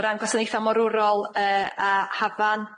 O ran gwasaneutha morwrol yy a Hafan,